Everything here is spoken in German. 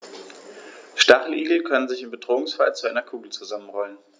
Stacheligel können sich im Bedrohungsfall zu einer Kugel zusammenrollen.